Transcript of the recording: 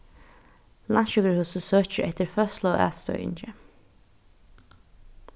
landssjúkrahúsið søkir eftir føðsluatstøðingi